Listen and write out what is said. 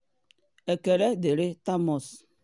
Ekele dịịrị Thomas.